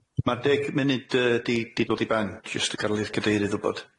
Ma'r deg munud yy 'di 'di dod i ben, jyst yn gadel i'r cadeirydd wbod.